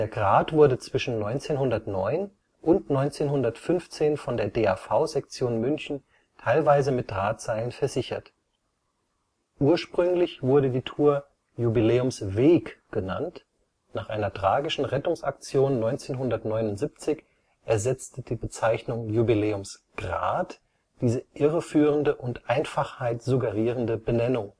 Grat wurde zwischen 1909 und 1915 von der DAV-Sektion München teilweise mit Drahtseilen versichert. Ursprünglich wurde die Tour Jubiläumsweg genannt, nach einer tragischen Rettungsaktion 1979 ersetzte die Bezeichnung Jubiläumsgrat diese irreführende und Einfachheit suggerierende Benennung